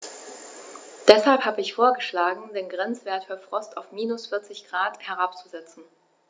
Deshalb habe ich vorgeschlagen, den Grenzwert für Frost auf -40 ºC herabzusetzen.